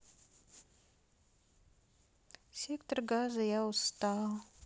сектор газа я устал